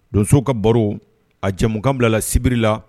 Donso ka baro a jɛkan bila la sibiri la